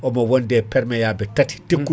omo wonde perméable tati tekkuɗe